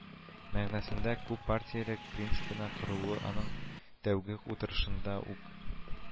Мәгънәсендә күппартиялелек принцибына корылуы аның тәүге утырышында ук